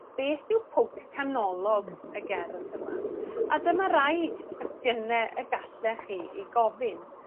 beth yw pwnc canolog y gerdd yma? A dyma rai cwestiyne y gallach chi 'u gofyn.